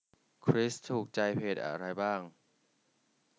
คริสถูกใจเพจอะไรบ้าง